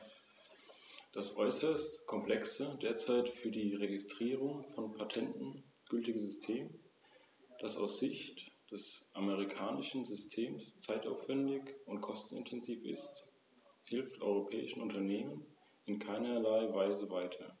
Was uns jedoch schwer zu schaffen macht, ist die Tatsache, dass die Gewährung von Unterstützung im Rahmen der Strukturfonds in gewisser Weise als Erfolg der Regierung verbucht wird.